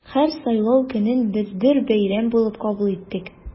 Һәр сайлау көнен без бер бәйрәм булып кабул иттек.